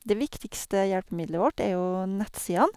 Det viktigste hjelpemiddelet vårt er jo nettsidene.